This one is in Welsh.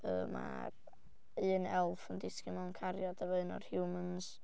Yy ma' un elf yn disgyn mewn cariad efo un o'r humans.